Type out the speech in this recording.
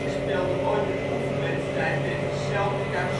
speelde ooit een oefenwedstrijd tegen Celtic uit